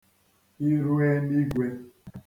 iruēnīgwē